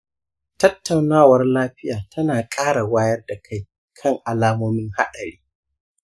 tattaunawar lafiya tana ƙara wayar da kai kan alamomin haɗari